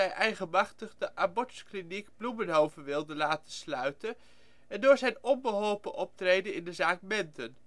eigenmachtig de abortuskliniek Bloemenhove wilde laten sluiten en door zijn onbeholpen optreden in de Zaak-Menten